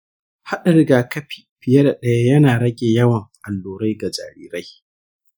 haɗa rigakafi fiye da ɗaya yana rage yawan allurai ga jarirai.